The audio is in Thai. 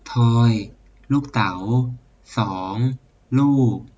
ทอยลูกเต๋าสองลูก